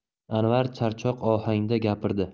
anvar charchoq ohangda gapirdi